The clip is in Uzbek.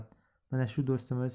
mana shu do'stimiz